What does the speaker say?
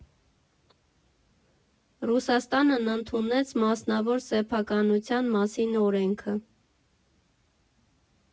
Ռուսաստանն ընդունեց մասնավոր սեփականության մասին օրենքը։